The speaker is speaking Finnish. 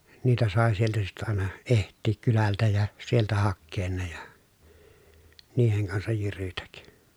niitä sai sieltä sitten aina etsiä kylältä ja sieltä hakea ne ja niiden kanssa jyrytä